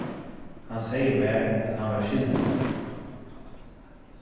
hann segði mær at hann var skildur